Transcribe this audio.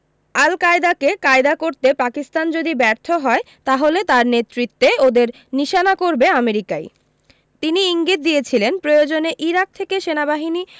আল কায়দাকে কায়দা করতে পাকিস্তান যদি ব্যর্থ হয় তাহলে তাঁর নেতৃত্বে ওদের নিশানা করবে আমেরিকাই তিনি ইঙ্গিত দিয়েছিলেন প্রয়োজনে ইরাক থেকে সেনাবাহিনী